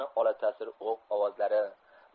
ana ola tasir o'q ovozlari